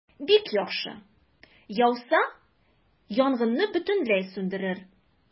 Бик яхшы, яуса, янгынны бөтенләй сүндерер.